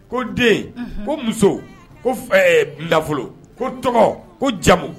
Ko den ko muso ko bila nafolo ko tɔgɔ ko jamu